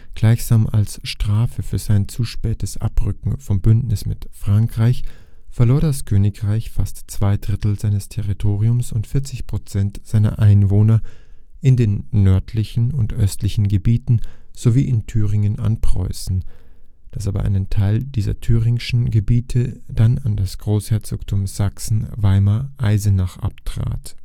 Gleichsam als Strafe für sein zu spätes Abrücken vom Bündnis mit Frankreich verlor das Königreich fast zwei Drittel seines Territoriums und 40 % seiner Einwohner in den nördlichen und östlichen Gebieten sowie in Thüringen an Preußen, das aber einen Teil dieser thüringischen Gebiete dann an das Großherzogtum Sachsen-Weimar-Eisenach abtrat